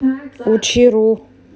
учи ру